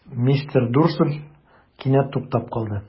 Мистер Дурсль кинәт туктап калды.